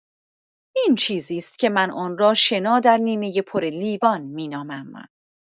این چیزی است که من آن را «شنا در نیمه پر لیوان» می‌نامم.